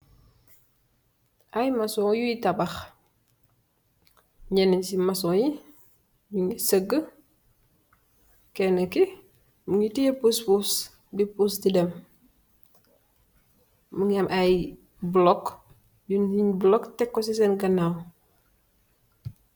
Ay masoñ yuy tabax, ñeenë si masoñg yi, ñu ngi sëggë, kénén ki, mu ngi tiyee, puus puus di puus di dem. Mu ngi ay bulok, yuñg bulok Tek ko si seen ganaaw.